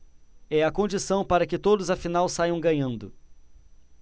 é a condição para que todos afinal saiam ganhando